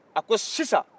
a ko sisan